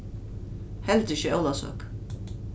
heldur ikki á ólavsøku